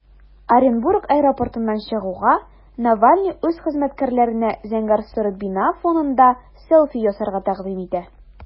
Оренбург аэропортыннан чыгуга, Навальный үз хезмәткәрләренә зәңгәр-соры бина фонында селфи ясарга тәкъдим итә.